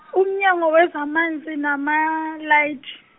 uMnyango wezaManzi namaHlathi.